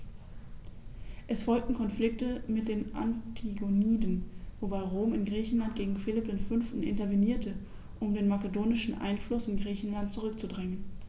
Es folgten Konflikte mit den Antigoniden, wobei Rom in Griechenland gegen Philipp V. intervenierte, um den makedonischen Einfluss in Griechenland zurückzudrängen.